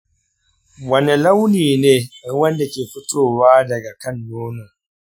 wane launi ne ruwan da ke fitowa daga kan nono?